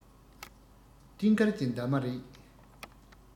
སྤྲིན དཀར གྱི འདབ མ རེད